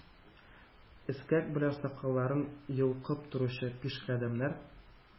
Эскәк белән сакалларын йолкып торучы пишкадәмнәр,